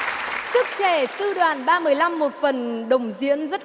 sức trẻ sư đoàn ba mười lăm một phần đồng diễn rất